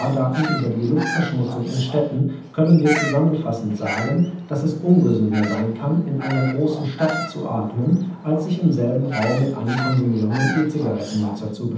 ARPA-Daten über die Luftverschmutzung in Städten können wir zusammenfassend sagen, dass es ungesünder sein kann, in einer großen Stadt zu atmen, als sich im selben Raum mit einem konsumierenden E-Zigarettennutzer zu